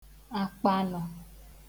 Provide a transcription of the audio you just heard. akpọanụ